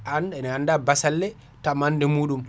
an ene anda bassalle tamande muɗum